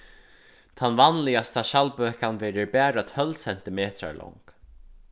tann vanligasta skjaldbøkan verður bara tólv sentimetrar long